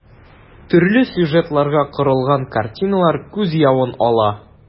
Төрле сюжетларга корылган картиналар күз явын ала.